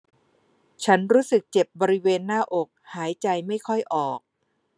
ฉันรู้สึกเจ็บบริเวณหน้าอกหายใจไม่ค่อยออก